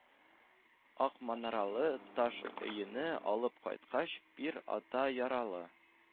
Ак манаралы таш өенә алып кайткач, пир ата яралы